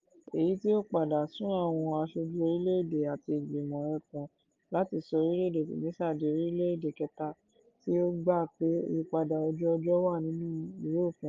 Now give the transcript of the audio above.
Èyí tí ó padà sún àwọn aṣojú orílẹ̀ èdè àti ìgbìmọ̀ ẹkùn láti sọ orílẹ̀ èdè Tunisia di orílẹ̀ èdè kẹta tí ó gbà pé ìyípadà ojú ọjọ́ wà nínú ìwé òfin rẹ̀.